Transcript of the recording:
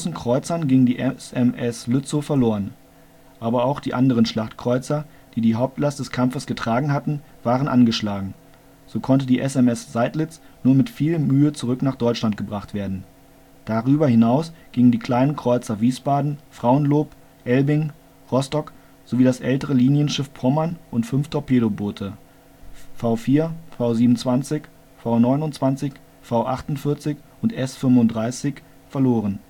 Kreuzern ging die SMS Lützow verloren. Aber auch die anderen Schlachtkreuzer, die die Hauptlast des Kampfes getragen hatten, waren angeschlagen, so konnte die SMS Seydlitz nur mit viel Mühe zurück nach Deutschland gebracht werden. Darüber hinaus gingen die Kleinen Kreuzer Wiesbaden, Frauenlob, Elbing, Rostock sowie das ältere Linienschiff Pommern und fünf Torpedoboote (V4, V27, V29, V48 und S35) verloren